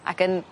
ac yn